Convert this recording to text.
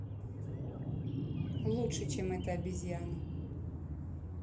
лучше чем эта обезьяна